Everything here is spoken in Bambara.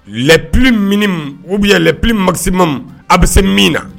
Lɛpli min u bɛ yanlɛpli masi ma a bɛ se min na